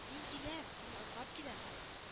— мин киләм! мин атлап киләм